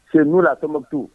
chez nous à Tombouctou